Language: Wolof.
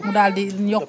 mu daal di yokku